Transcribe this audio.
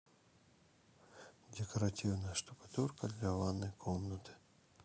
декоративная штукатурка для ванной комнаты